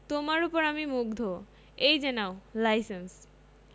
তোমার উপর আমি মুগ্ধ এই যে নাও লাইসেন্স...